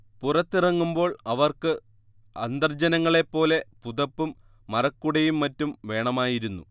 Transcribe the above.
പുറത്തിറങ്ങുമ്പോൾ അവർക്ക് അന്തർജനങ്ങളെപ്പോലെ പുതപ്പും മറക്കുടയും മറ്റും വേണമായിരുന്നു